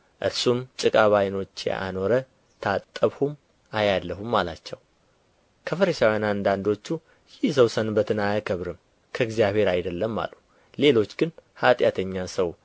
እርሱም ጭቃ በዓይኖቼ አኖረ ታጠብሁም አያለሁም አላቸው ከፈሪሳውያንም አንዳንዶቹ ይህ ሰው ሰንበትን አያከብርምና ከእግዚአብሔር አይደለም አሉ ሌሎች ግን ኃጢአትኛ ሰው